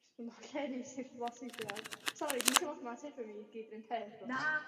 ia jyst dwmbo lle neis i'r bobol sbio ar sori dwi'n teimlo atha ma' atebion fi gyd r'un peth.